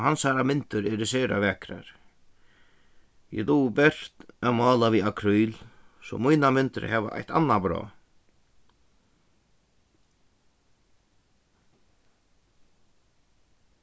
og hansara myndir eru sera vakrar eg dugi bert at mála við akryl so mínar myndir hava eitt annað brá